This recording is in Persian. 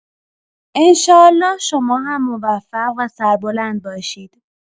ان‌شاءالله شما هم موفق و سربلند باشید.